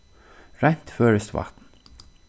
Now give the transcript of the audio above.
reint føroyskt vatn